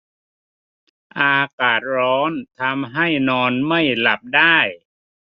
อากาศร้อนทำให้นอนไม่หลับได้